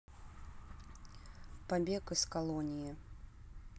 побег из колонии